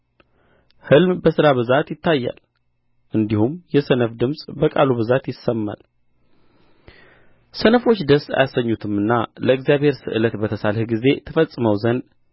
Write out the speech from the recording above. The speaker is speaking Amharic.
ሕልም በሥራ ብዛት ይታያል እንዲሁም የሰነፍ ድምፅ በቃሉ ብዛት ይሰማል ሰነፎች ደስ አያሰኙትምና ለእግዚአብሔር ስእለት በተሳልህ ጊዜ ትፈጽመው ዘንድ